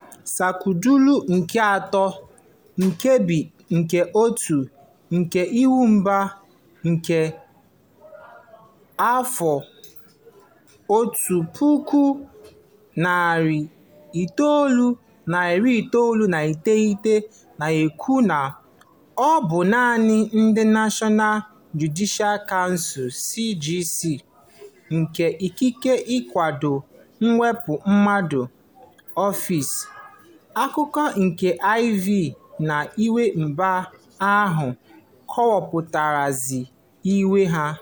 Skedụlụ nke Atọ, Nkebi nke 1 nke Iwu Mba nke 1999 na-ekwu na ọ bụ naanị ndị National Judicial Council (NJC) nwere ikike ịkwado mwepụ mmadụ n'ọfiisi. Akụkụ nke IV na Iwu Mba ahụ kọwapụtakwazịrị iwu a.